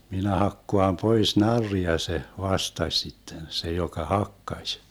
minä hakkaan pois narria se vastasi sitten se joka hakkasi